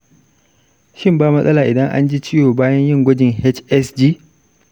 shin ba matsala idan an ji ciwo bayan yin gwajin hsg?